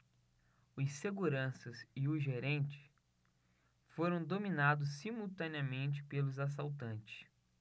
os seguranças e o gerente foram dominados simultaneamente pelos assaltantes